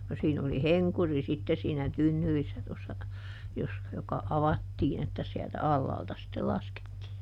no siinä oli henkuri sitten siinä tynnyrissä tuossa - joka avattiin että sieltä alhaalta sitten laskettiin